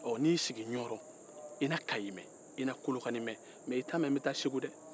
n'i y'i sigi ɲɔɔrɔn i na kayi mɛn i na kolokani mɛn mɛ i t'a mɛn n bɛ taa segu dɛ